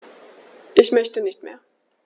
Ich möchte nicht mehr.